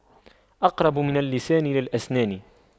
أقرب من اللسان للأسنان